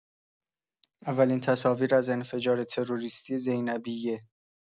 اولین تصاویر از انفجار تروریستی زینبیه